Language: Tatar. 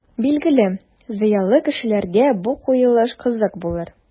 Билгеле, зыялы кешеләргә бу куелыш кызык булыр.